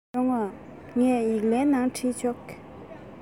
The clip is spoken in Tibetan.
ཡོང ང ངས ཡིག ལན ནང བྲིས ཆོག